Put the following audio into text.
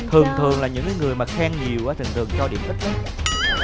thường thường là những cái người mà khen nhiều á thường thường cho điểm rất thấp